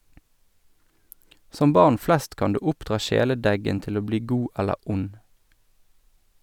Som barn flest, kan du oppdra kjæledeggen til å bli god eller ond.